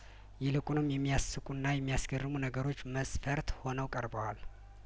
ይልቁንም የሚያስቁና የሚያስገርሙ ነገሮች መስፈርት ሆነው ቀርበዋል